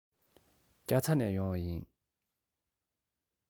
རྒྱ ཚ ནས ཡོང བ ཡིན